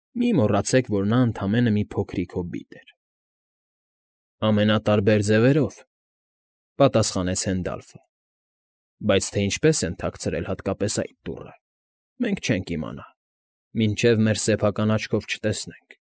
Մի՛ մոռացեք, որ նա ընդամենը մի փոքրիկ հոբիտ էր։ ֊ Ամենատարբեր ձևերով, ֊ պատասխանեց Հենդալֆը։ ֊ Բայց թե ինչպես են թացրել հատկապես այդ դուռը, մենք չենք իմանա, մինչև մեր սեփական աչքերով չտեսնենք։